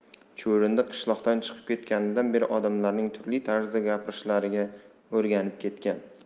chuvrindi qishloqdan chiqib ketganidan beri odamlarning turli tarzda gapirishlariga o'rganib ketgan